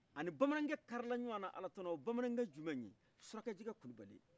ani bamanankɛ karila ɲɔgɔnna alatɔnɔ oye jɔnniye surajɛkɛ kulibali